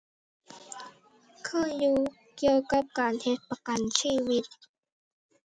เคยอยู่ เกี่ยวกับการเฮ็ดประกันชีวิต